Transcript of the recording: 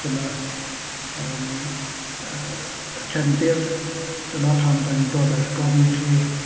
Dyma yym yy y cefndir, dyma pam 'da ni'n dod ar eich gofyn chi.